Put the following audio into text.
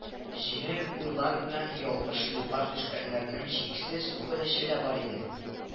Җиңел уйлар белән ялгыш юлга төшкәннәрнең чиксез үкенече дә бар иде